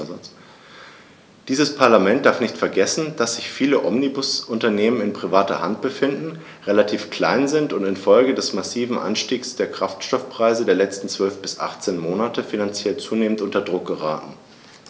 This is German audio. Dieses Parlament darf nicht vergessen, dass sich viele Omnibusunternehmen in privater Hand befinden, relativ klein sind und in Folge des massiven Anstiegs der Kraftstoffpreise der letzten 12 bis 18 Monate finanziell zunehmend unter Druck geraten.